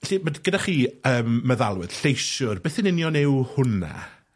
Felly, ma' gyda chi, yym, meddalwedd, lleisiwr, beth yn union yw hwnna?